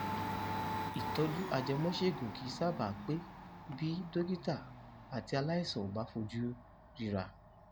"Ìtọ́jú ajẹmọ́ṣègùn kìí sábà pé bí dókítà àti aláìsàn ò bá fojú ríra.